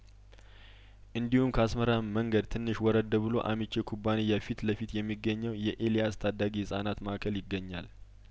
እንዲሁም ከአስመራ መንገድ ትንሽ ወረድ ብሎ አሚቼ ኩባንያ ፊት ለፊት የሚገኘው የኤልያስ ታዳጊ ህጻናት ማእከል ይገኛል